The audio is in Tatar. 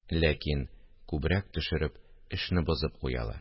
Ләкин күбрәк төшереп, эшне бозып куялар